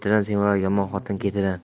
semirar yomon xotin ketidan